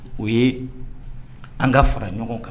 U ye an ka fara ɲɔgɔn kan